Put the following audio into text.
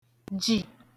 ji